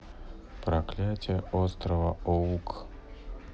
проклятие острова оук